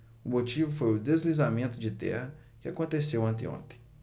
o motivo foi o deslizamento de terra que aconteceu anteontem